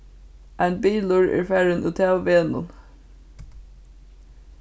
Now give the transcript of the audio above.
ein bilur er farin útav vegnum